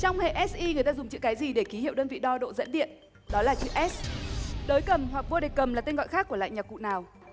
trong hệ ét i người ta dùng chữ cái gì để ký hiệu đơn vị đo độ dẫn điện đó là chữ ét đới cầm hoặc vô địch cầm là tên gọi khác của loại nhạc cụ nào